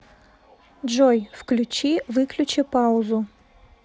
джой включи выключи паузу